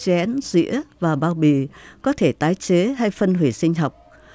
chén dĩa và bao bì có thể tái chế hay phân hủy sinh học